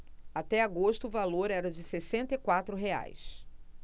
até agosto o valor era de sessenta e quatro reais